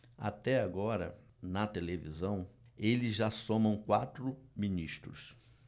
até agora na televisão eles já somam quatro ministros